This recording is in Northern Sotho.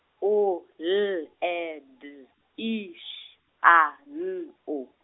O L E D I Š A N O.